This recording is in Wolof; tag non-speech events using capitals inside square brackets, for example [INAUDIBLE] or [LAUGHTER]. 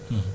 [HESITATION] [HESITATION]